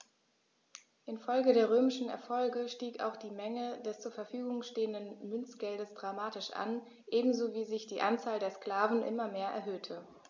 Infolge der römischen Erfolge stieg auch die Menge des zur Verfügung stehenden Münzgeldes dramatisch an, ebenso wie sich die Anzahl der Sklaven immer mehr erhöhte.